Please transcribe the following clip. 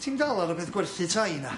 Ti'n dal ar y peth gwerthu tai na?